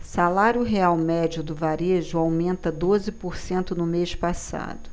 salário real médio do varejo aumenta doze por cento no mês passado